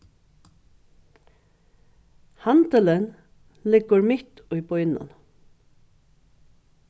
handilin liggur mitt í býnum